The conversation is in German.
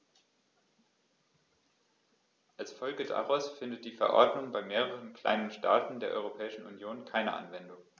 Als Folge daraus findet die Verordnung bei mehreren kleinen Staaten der Europäischen Union keine Anwendung.